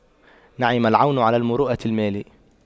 نعم العون على المروءة المال